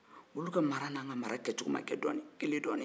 olu ka mara n'an ka mara kɛcogo ma kɛ kelen ye dɔɔnin